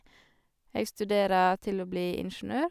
Jeg studerer til å bli ingeniør.